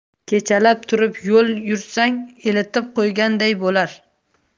kechalab turib yo'l yursang eltib qo'yganday bo'lar